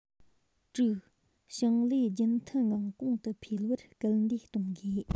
དྲུག ཞིང ལས རྒྱུན མཐུད ངང གོང དུ འཕེལ བར སྐུལ འདེད གཏོང དགོས